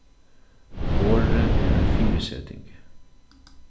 orðið er ein fyriseting